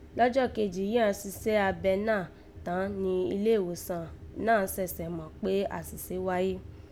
Lọ́jọ́ kejì yìí àán sisẹ́ abẹ náà tán ni ilé ìwòsàn náà sẹ̀sẹ̀ mọ̀ kpé àsìse wáyé